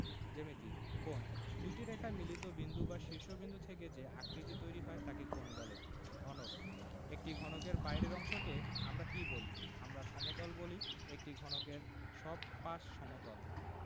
জ্যামিতিঃ কোণঃ দুইটি রেখার মিলিত বিন্দু বা শীর্ষ বিন্দু থেকে যে আকৃতি তৈরি হয় তাকে কোণ বলে ঘনকঃ একটি ঘনকের বাইরের অংশকে আমরা কী বলি আমরা সমতল বলি একটি ঘনকের সব পাশ সমতল